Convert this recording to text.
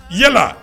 Yala